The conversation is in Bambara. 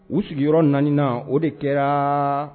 U sigiyɔrɔ naani na o de kɛra